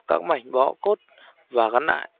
các mảnh bó cốt và gắn lại